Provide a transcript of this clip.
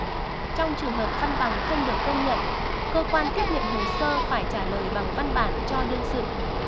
trong trường hợp văn bằng không được công nhận cơ quan tiếp nhận hồ sơ phải trả lời bằng văn bản cho đương sự